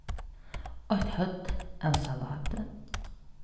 eitt høvd av salati